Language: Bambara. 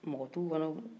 mɔgɔ t'u kɔnɔ